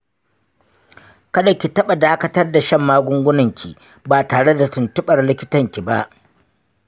kada ki taɓa dakatar da shan magungunanki ba tare da tuntuɓar likitanki ba.